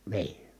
niin